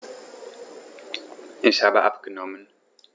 Ich habe abgenommen.